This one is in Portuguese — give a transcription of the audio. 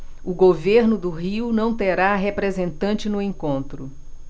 o governo do rio não terá representante no encontro